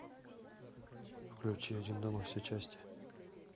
включи один дома все части